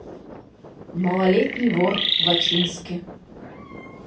малолетний вор в ачинске